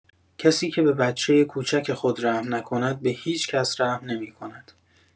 کسی که به بچه کوچک خود رحم نکند به هیچ‌کس رحم نمی‌کند.